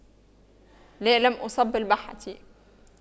لا لم أصب بالبحة